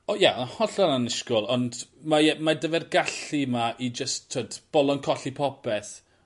O ie ma'n hollol annisgwl ond mae e mae 'dy fe'r gallu 'ma i jyst t'wod bolon colli popeth.